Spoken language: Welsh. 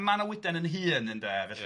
A ma Manawydan yn hŷn, ynde, felly... Ie.